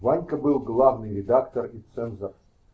Ванька был главный редактор и цензор.